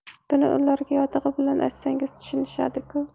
buni ularga yotig'i bilan aytsangiz tushunishadi ku